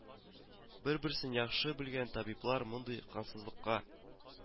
Бер-берсен яхшы белгән табиблар мондый кансызлыкка